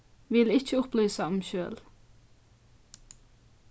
vil ikki upplýsa um skjøl